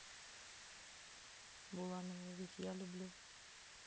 буланова ведь я люблю